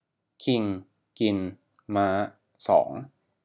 คิงกินม้าสอง